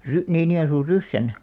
- Niinijoensuun Ryssän